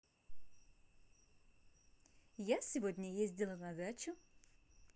я сегодня ездила на дачу